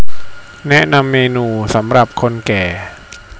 แนะนำเมนูสำหรับคนแก่